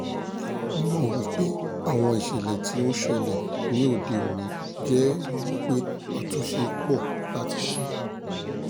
Mo mọ̀ wípé àwọn ìṣẹ̀lẹ̀ tí ó ń ṣẹlẹ̀ ní òde òní jẹ́ ẹ̀rí wípé àtúnṣe pọ̀ láti ṣe.